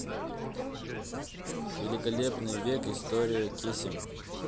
великолепный век история кесем